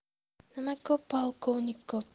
nima ko'p polkovnik ko'p